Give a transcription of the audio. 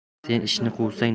sen ishni quvsang